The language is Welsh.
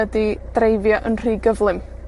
ydi dreifio yn rhy gyflym.